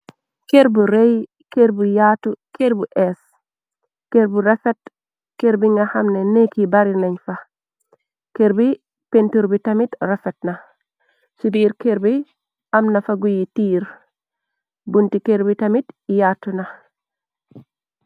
Kër bu rëy , kër bu yaatu, ker bu ees, kër bu refet. Kër bi nga xamne nekki bari lañ fa, kër bi pentur bi tamit refet na. Ci biir kër bi amna fa guyi tiir, bunti kër bi tamit yaatu na.